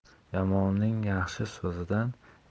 yomonning yaxshi so'zidan